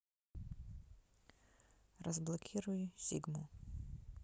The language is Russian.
разблокируй сигму